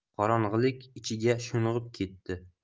qorong'ilik ichiga sho'ng'ib ketdi